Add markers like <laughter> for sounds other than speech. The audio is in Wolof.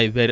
<hesitation> <hesitation>